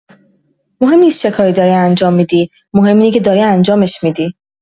مهم نیست چه کاری داری انجام می‌دی، مهم اینه که داری انجامش می‌دی.